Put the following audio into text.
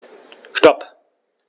Stop.